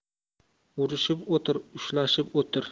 urushib o'tir ushlashib o'tir